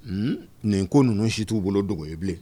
Nin ko ninnu si t'u bolo dogo ye bilen